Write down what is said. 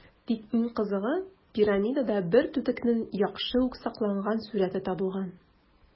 Тик иң кызыгы - пирамидада бер түтекнең яхшы ук сакланган сурəте табылган.